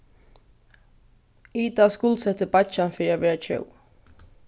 ida skuldsetti beiggjan fyri at vera tjóv